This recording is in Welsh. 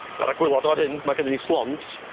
Ar y gwilod o fan hyn ma' gennyn ni slont.